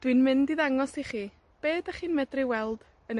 Dw i'n mynd i ddangos i chi be' 'dych chi'n medru weld yn y